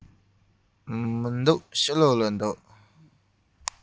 མི འདུག ཕྱི ལོགས ལ ཡོད རེད